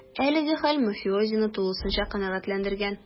Әлеге хәл мафиозины тулысынча канәгатьләндергән: